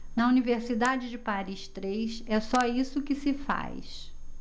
na universidade de paris três é só isso que se faz